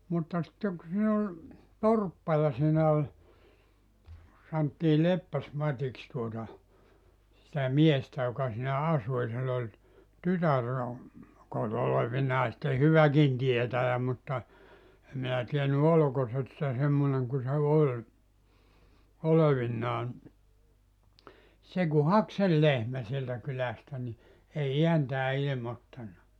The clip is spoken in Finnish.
mutta sitten kun siinä oli torppa ja siinä oli sanottiin Leppäs-Matiksi tuota sitä miestä joka siinä asui ja sillä oli tytär no - olevinaan sitten hyväkin tietäjä mutta en minä tiennyt oliko -- se semmoinen kun se oli olevinaan se kun haki sen lehmän sieltä kylästä niin ei ääntään ilmoittanut